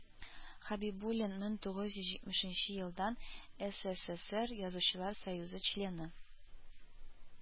Хәбибуллин мең тугыз йөз җитмешенче елдан эСэСэСэР Язучылар союзы члены